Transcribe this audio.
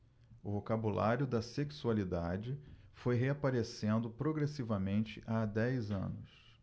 o vocabulário da sexualidade foi reaparecendo progressivamente há dez anos